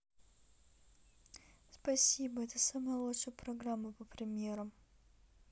спасибо это самая лучшая программа по примерам